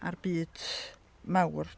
â'r byd mawr.